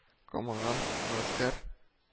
Камаган гаскәр